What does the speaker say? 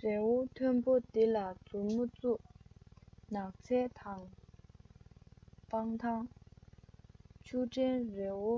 རི བོ མཐོན པོ དེ ལ མཛུབ མོ བཙུགས ནགས ཚལ དང སྤང ཐང ཆུ ཕྲན རི བོ